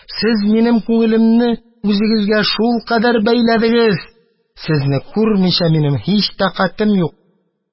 Сез минем күңелемне үзегезгә шулкадәр бәйләдегез, сезне күрмичә минем һич тәкатем юк.